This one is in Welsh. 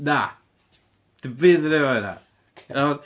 Na dim byd i wneud efo hynna. Iawn?